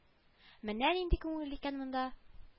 Менә нинди күңелле икән монда